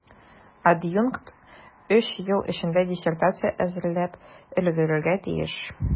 Адъюнкт өч ел эчендә диссертация әзерләп өлгерергә тиеш.